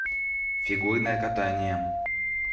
фигурное катание